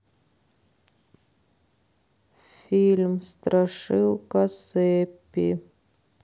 фильм страшилка сеппи